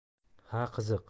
ha qiziq